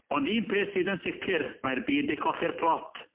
Ond un peth sydd yn sicr, mae'r byd 'di colli'r plot.